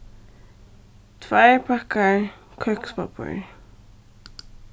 tveir pakkar køkspappír